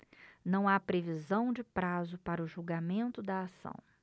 não há previsão de prazo para o julgamento da ação